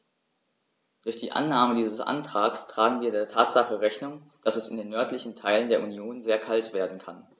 Durch die Annahme dieses Antrags tragen wir der Tatsache Rechnung, dass es in den nördlichen Teilen der Union sehr kalt werden kann.